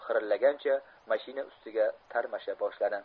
xirillagancha mashina ustiga tarmasha boshladi